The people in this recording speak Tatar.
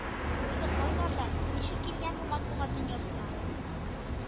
Үзе кайлардан, ничек килгән бу матбугат дөньясына